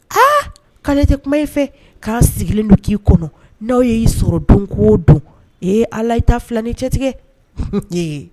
Aa k'ale te kuma e fɛ k'a sigilen do k'i kɔnɔ n'aw ye i sɔrɔ don ko don ee ala i t'a filanni cɛ tigɛ